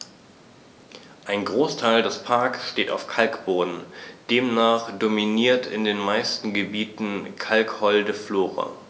Ein Großteil des Parks steht auf Kalkboden, demnach dominiert in den meisten Gebieten kalkholde Flora.